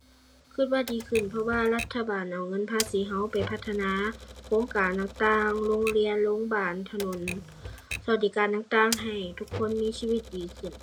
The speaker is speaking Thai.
คิดว่าดีขึ้น เพราะว่ารัฐบาลเอาเงินภาษีคิดไปพัฒนาโครงการต่างต่าง โรงเรียน โรงบาล ถนน สวัสดิการต่างต่างให้ทุกคนมีชีวิตดีขึ้น